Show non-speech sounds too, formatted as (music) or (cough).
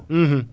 (hesitation) (hesitation)